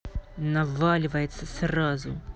наваливается сразу